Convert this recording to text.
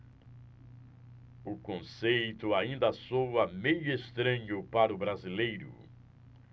o conceito ainda soa meio estranho para o brasileiro